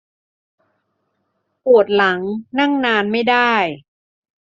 ปวดหลังนั่งนานไม่ได้